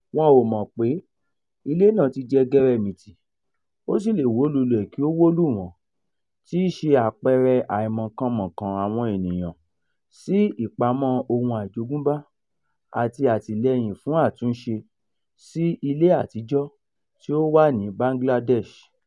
Wọ́n ò mọ̀ pé ilé náà ti di ẹgẹrẹmìtì, ó sì lè wò lulẹ̀ kí ó wó lù wọ́n—tí í ṣe àpẹẹrẹ àìmọ̀kanmọ̀kàn àwọn ènìyàn sí ìpamọ́ ohun àjogúnbá àti àtìlẹ́yìn fún àtúnṣe sí ilé àtijọ́ tí ó wà ní Bangladesh.